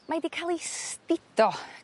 mae 'di ca'l ei sbido